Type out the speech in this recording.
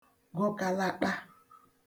gụkalaṭa